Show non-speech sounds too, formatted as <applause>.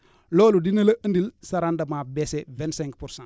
<breath> loolu dina la indil sa rendement baissé vingt cinq pour cent